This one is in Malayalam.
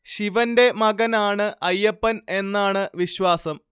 ശിവന്റെ മകനാണ് അയ്യപ്പൻ എന്നാണ് വിശ്വാസം